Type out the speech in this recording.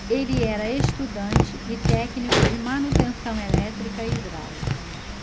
ele era estudante e técnico de manutenção elétrica e hidráulica